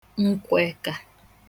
nkwòekā